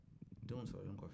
denw sɔrɔlen kɔ